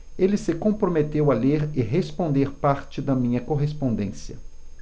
ele se comprometeu a ler e responder parte da minha correspondência